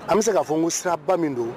An bɛ se k'a fɔ ko siraba min don